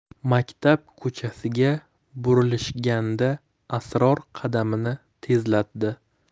maktab ko'chasiga burilishganda asror qadamini tezlatdi